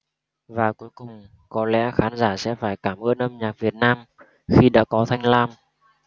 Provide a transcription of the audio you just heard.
và cuối cùng có lẽ khán giả sẽ phải cảm ơn âm nhạc việt nam khi đã có thanh lam